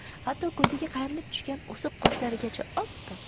hatto ko'ziga qayrilib tushgan o'siq qoshlarigacha oppoq